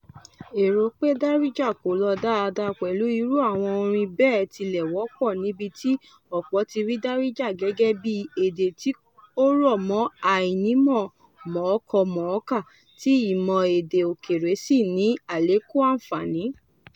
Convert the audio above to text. Èrò pé Darija kò lọ dáadáa pẹ̀lú irú àwọn orin bẹ́ẹ̀ tilẹ̀ wọ́pọ̀ níbi tí ọ̀pọ̀ ti rí Darija gẹ́gẹ́ bíi èdè tí ó rọ̀ mọ́ àìnímọ̀ mọ̀ọ́kọ-mọ̀ọ́kà, tí ìmọ̀ èdè òkèèrè sì ní àlékún àǹfààní.